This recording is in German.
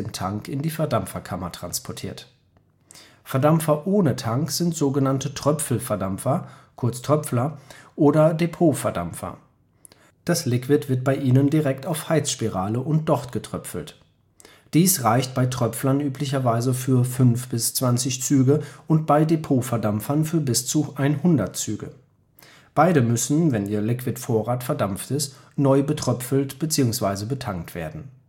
Tank in die Verdampferkammer transportiert. Verdampfer ohne Tank sind sogenannte Tröpfelverdampfer („ Tröpfler “), oder Depotverdampfer. Das Liquid wird bei ihnen direkt auf Heizspirale und Docht getröpfelt. Dies reicht bei Tröpflern üblicherweise für 5-20 Züge und bei Depotverdampfern für bis zu 100 Züge. Beide müssen, wenn ihr Liquidvorrat verdampft ist, neu betröpfelt beziehungsweise betankt werden